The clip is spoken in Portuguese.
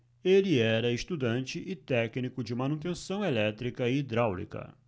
ele era estudante e técnico de manutenção elétrica e hidráulica